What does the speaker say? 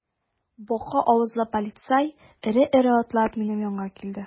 Бака авызлы полицай эре-эре атлап минем янга килде.